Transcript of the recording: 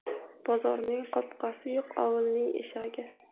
bozorning qopqasi yo'q ovulning eshagi